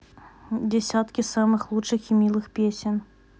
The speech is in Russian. десятки самых лучших и милых песен